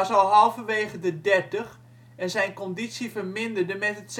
halverwege de dertig, en zijn conditie verminderde met